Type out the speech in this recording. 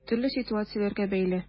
Төрле ситуацияләргә бәйле.